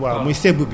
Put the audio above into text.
muy sébb bi